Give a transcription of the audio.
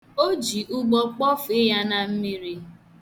O ji ụgbọ kpọfee ya na mmiri.